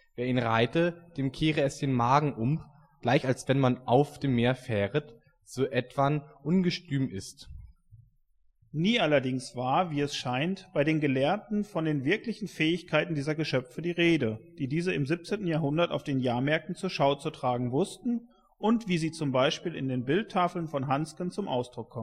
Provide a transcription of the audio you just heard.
wer ihn reite, dem kehre es „ den Magen umb, gleich als wenn man auff dem Meer fähret, so etwan ungestümb ist “. Nie allerdings war, wie es scheint, bei den Gelehrten von den wirklichen Fähigkeiten dieser Geschöpfe die Rede, die diese im 17. Jahrhundert auf den Jahrmärkten zur Schau zu tragen wussten und wie sie zum Beispiel in den Bildtafeln von Hansken zum Ausdruck kommen